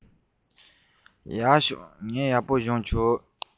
ཐུགས རྗེ ཆེ ངས ཡག པོ སྦྱོང གི ཡིན